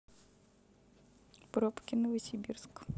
пробки новосибирск